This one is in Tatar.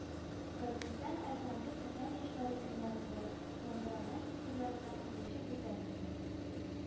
- гамирҗан әфәнде, татар яшьләре көннәрендә яңгыраган фикерләр белән килешеп бетәсезме